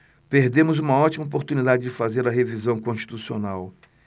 perdemos uma ótima oportunidade de fazer a revisão constitucional